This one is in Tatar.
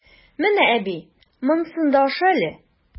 Менә, әби, монсын да аша әле!